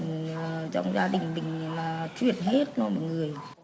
là chuyện hiếm là một người